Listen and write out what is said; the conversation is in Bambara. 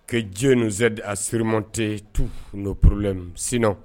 Que Dieu nous aide à surmonter tous nos problèmes sinon